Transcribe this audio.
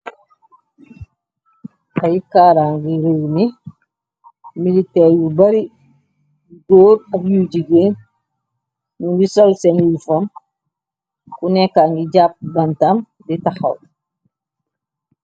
ay kaara ngi réew ni militeer yu bari y góor ab yuy jigeen nu ndi sol seen yu fam ku nekka ngi jàpp bantam di taxaw